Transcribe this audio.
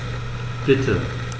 Bitte.